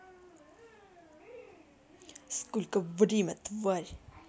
сколько время тварь